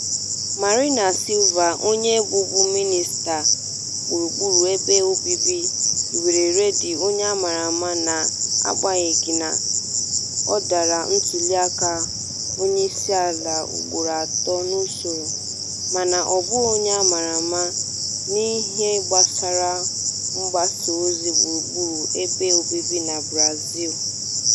Marina Silva, onye bụbu Mịnịsta Gburugburu Ebe Obibi, hiwere Rede, onye a maara ama n'agbanyeghị na ọ dara ntuliaka onyeisiala ugboro atọ n'usoro, mana ọ bụ onye a maara n'ihe gbasara mgbasaozi gburugburu ebe obibi na Brazil.